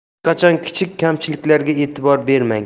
hech qachon kichik kamchiliklarga e'tibor bermang